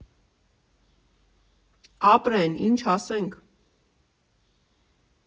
Ապրեն, ինչ ասենք։